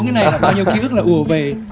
là này bao nhiêu kí ức là ùa về